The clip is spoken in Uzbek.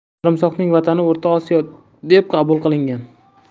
sarimsoqning vatani o'rta osiyo deb qabul qilingan